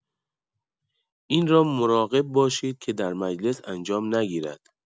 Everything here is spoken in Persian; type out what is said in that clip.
این را مراقب باشید که در مجلس انجام نگیرد.